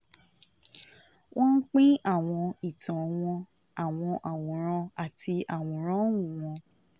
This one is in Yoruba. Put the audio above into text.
Wọ́n ń pín àwọn ìtàn wọn, àwọn àwòrán àti àwòránhùn wọn.